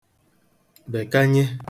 bèkanye